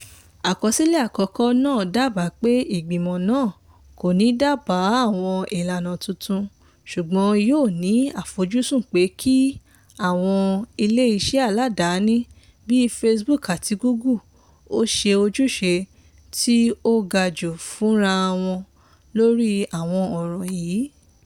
Àkọsílẹ̀ àkọ́kọ́ náà dábàá pé Ìgbìmọ̀ náà kò ní dábàá àwọn ìlànà tuntun, ṣùgbọ́n yóò ní àfojúsùn pé kí àwọn ilé iṣẹ́ aládani bíi Facebook àti Google ó ṣe ojúṣe tí ó ga jù fúnra wọn lórí àwọn ọ̀ràn yìí.